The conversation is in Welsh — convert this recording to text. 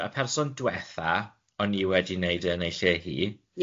Achos y person dwetha o'n i wedi neud e yn ei lle hi.